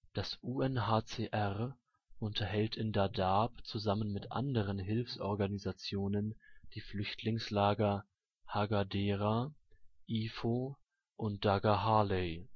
Das UNHCR unterhält in Dadaab zusammen mit anderen Hilfsorganisationen die Flüchtlingslager Hagadera, Ifo and Dagahaley